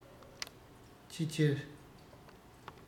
ཕྱི ཕྱིར